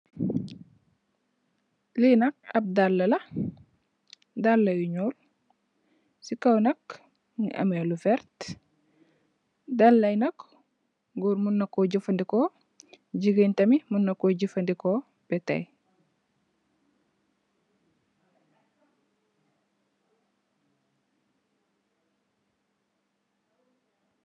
Lee nak ab dalle la dalle yu nuul se kaw nak muge ameh lu verte dalle ye nak goor muna ku jufaneku jegain tamin muna ku jufaneku betaye.